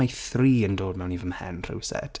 Mae three yn dod mewn fy mhen rhywsut.